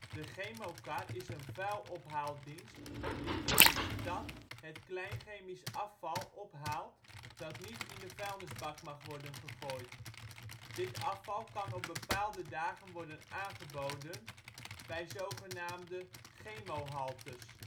De chemokar is een vuilophaaldienst die in een stad het klein chemisch afval ophaalt dat niet in de vuilnisbak mag worden gegooid. Dit afval kan op bepaalde dagen worden aangeboden bij zogenaamde " chemo-haltes